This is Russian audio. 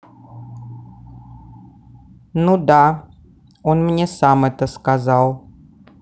ну да он мне сам это сказал